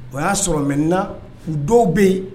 O y'a sɔrɔ mɛnina u dɔw bɛ yen